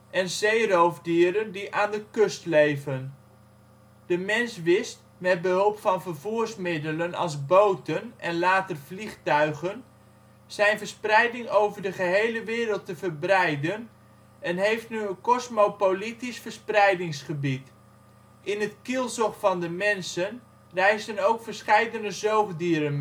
en zeeroofdieren, die aan de kust leven. De mens wist, met behulp van vervoersmiddelen als boten en later vliegtuigen, zijn verspreiding over de gehele wereld te verbreiden en heeft nu een kosmopolitisch verspreidingsgebied. In het kielzog van de mensen reisden ook verscheidene zoogdieren